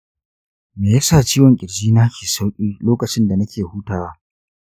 me ya sa ciwon kirjina ke sauƙi lokacin da nake hutawa?